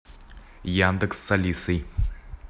яндекс с алисой